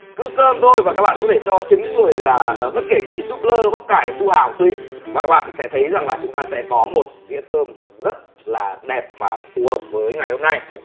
cứ cơm thôi và các bạn có thể cho trứng rồi là bất kể gì súp lơ bắp cải xu hào tùy và các bạn sẽ thấy rằng là chúng ta sẽ có một dĩa cơm rất là đẹp và phù hợp với ngày hôm nay